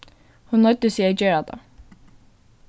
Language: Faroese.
hon noyddi seg at gera tað